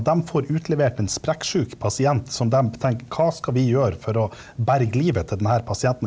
dem får utlevert en sprekksjuk pasient som dem tenker hva skal vi gjøre for å berge livet til denne pasienten?